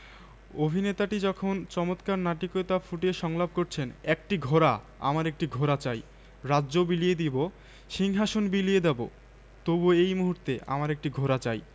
কী আঁচল বিছায়েছ বটের মূলে নদীর কূলে কূলে মা তোর মুখের বাণী আমার কানে লাগে সুধার মতো মরিহায় হায়রে মা তোর বদন খানি মলিন হলে ওমা আমি নয়ন